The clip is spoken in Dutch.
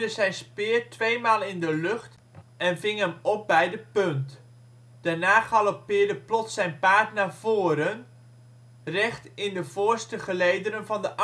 zijn speer tweemaal in de lucht en ving hem op bij de punt. Daarna galoppeerde plots zijn paard naar voren, recht in de voorste gelederen van de